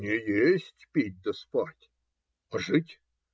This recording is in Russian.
- Не есть, пить и спать, а жить.